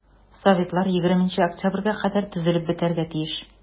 Советлар 20 октябрьгә кадәр төзелеп бетәргә тиеш.